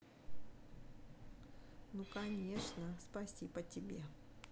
ну конечно спаси по тебе